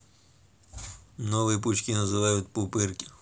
новые пучки называют пупырки